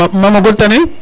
mamo god tane